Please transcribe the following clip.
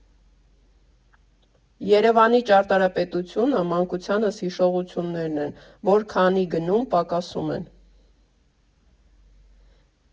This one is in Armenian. Երևանի ճարտարապետությունը՝ մանկությանս հիշողություններն են, որ քանի գնում պակասում են։